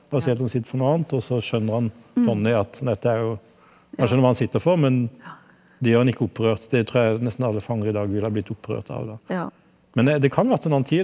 han sier at han sitter for noe annet også skjønner han Tonnie at dette er jo kanskje noe man sitter for men det gjør han ikke opprørt, det tror jeg nesten alle fanger i dag ville ha blitt opprørt av da, men det det kan ha vært en annen tid.